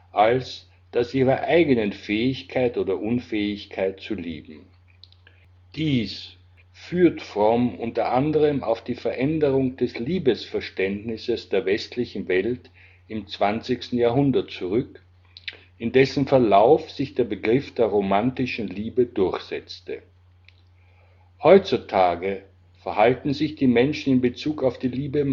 als das ihrer eigenen Fähigkeit oder Unfähigkeit zu lieben. Dies führt Fromm unter anderem auf die Veränderung des Liebesverständnisses der westlichen Welt im 20. Jahrhundert zurück, in dessen Verlauf sich der Begriff der romantischen Liebe durchsetzte. Heutzutage verhielten sich die Menschen in Bezug auf die Liebe